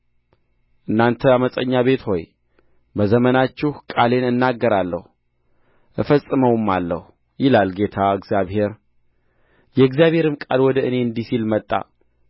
እናንተ ዓመፀኛ ቤት ሆይ በዘመናችሁ ቃሌን እናገራለሁ እፈጽመውማለሁ ይላል ጌታ እግዚአብሔር የእግዚአብሔርም ቃል ወደ እኔ እንዲህ ሲል መጣ